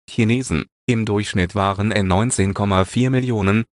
Chinesen, im Durchschnitt waren es 19,4 Millionen